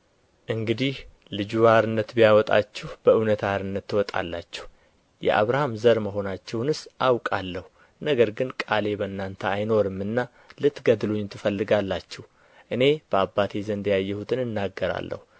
እንግዲህ ልጁ አርነት ቢያወጣችሁ በእውነት አርነት ትወጣላችሁ የአብርሃም ዘር መሆናችሁንስ አውቃለሁ ነገር ግን ቃሌ በእናንተ አይኖርምና ልትገድሉኝ ትፈልጋላችሁ እኔ በአባቴ ዘንድ ያየሁትን እናገራለሁ